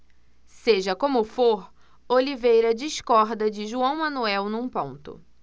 seja como for oliveira discorda de joão manuel num ponto